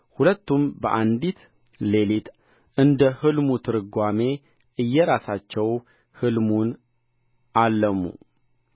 ሁለቱም በአንዲት ሌሊት እንደ ሕልሙ ትርጓሜ እየራሳቸው ሕልምን አለሙ